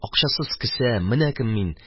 Акчасыз кесә. Менә кем мин.